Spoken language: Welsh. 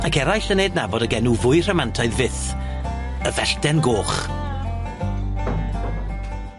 Ag eraill yn ei adnabod ag enw fwy rhamantaidd fyth, y Fellten Goch.